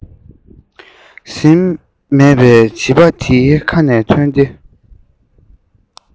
ཟིན མེད པའི བྱིས པ འདིའི ཁ ནས ཐོན ཏེ